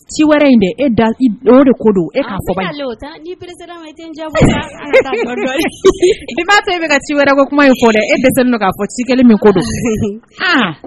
Ci wɛrɛ in e don de ko don i ci wɛrɛ ko kuma in fɔ dɛ e de ci kelen min ko